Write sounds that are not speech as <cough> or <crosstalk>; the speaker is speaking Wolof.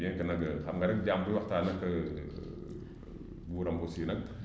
bien que nag xam nga rekk jaam buy waxtaan ak <hesitation> buuram aussi nag